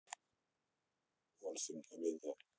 мультфильм комедия